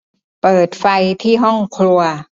เปิดไฟที่ห้องครัว